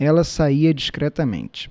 ela saía discretamente